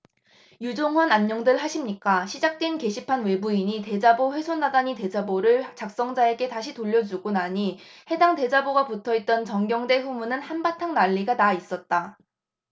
유종헌안녕들 하십니까 시작된 게시판 외부인이 대자보 훼손하다니대자보를 작성자에게 다시 돌려주고 나니 해당 대자보가 붙어있던 정경대 후문은 한바탕 난리가 나 있었다